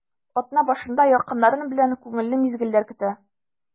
Атна башында якыннарың белән күңелле мизгелләр көтә.